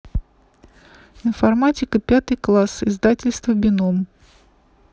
информатика пятый класс издательство бином